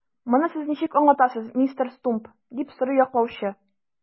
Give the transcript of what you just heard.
Моны сез ничек аңлатасыз, мистер Стумп? - дип сорый яклаучы.